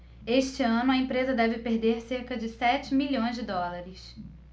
este ano a empresa deve perder cerca de sete milhões de dólares